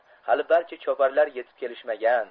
hali barcha choparlar yetib kelishmagan